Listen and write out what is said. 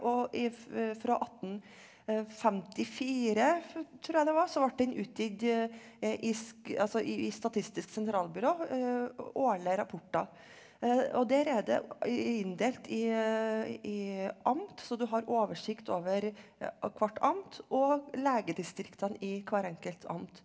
og ifra 1854 tror jeg det var så ble den utgitt i altså i i Statistisk sentralbyrå årlige rapporter og der er det inndelt i i amt så du har oversikt over hvert amt og legedistriktene i hver enkelt amt.